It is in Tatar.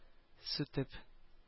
Сүтеп